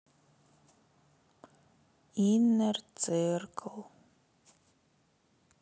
иннер циркл